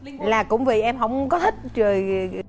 là cũng vì em hổng có thích rồi